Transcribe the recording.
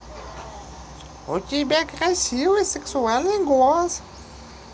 у тебя красивый сексуальный голос